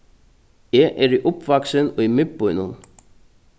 eg eri uppvaksin í miðbýnum